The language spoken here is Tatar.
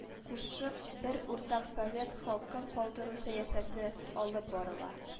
Кушып, бер уртак совет халкын калдыру сәясәте алып барыла